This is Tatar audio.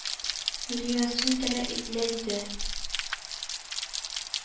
Миллион сум таләп ителә, диде